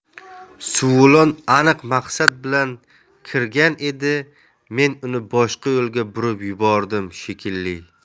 suvilon aniq maqsad bilan kirgan edi men uni boshqa yo'lga burib yubordim shekilli